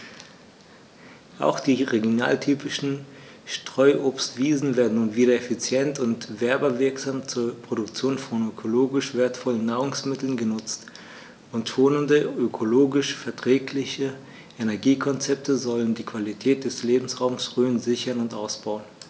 Auch die regionaltypischen Streuobstwiesen werden nun wieder effizient und werbewirksam zur Produktion von ökologisch wertvollen Nahrungsmitteln genutzt, und schonende, ökologisch verträgliche Energiekonzepte sollen die Qualität des Lebensraumes Rhön sichern und ausbauen.